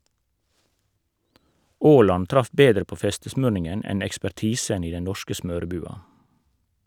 Aaland traff bedre på festesmurningen enn ekspertisen i den norske smørebua.